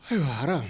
Ayiwa Ra